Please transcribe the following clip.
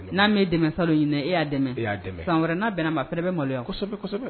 N'a ye dɛmɛ sa ɲini e y'a dɛmɛ'a dɛmɛ san wɛrɛ'anaba fana bɛ malo yansɛbɛsɛbɛ